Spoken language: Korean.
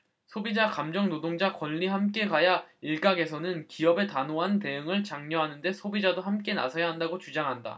소비자 감정노동자 권리 함께 가야일각에서는 기업의 단호한 대응을 장려하는데 소비자도 함께 나서야 한다고 주장한다